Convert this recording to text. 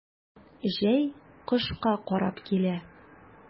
Җәй кышка карап килә.